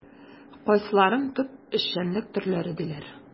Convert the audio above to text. Кайсыларын төп эшчәнлек төрләре диләр?